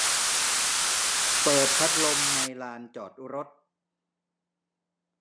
เปิดพัดลมในลานจอดรถ